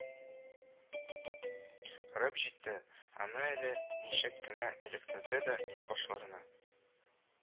Рып җитте, аны әллә ничек кенә эләктерде дә иңбашларына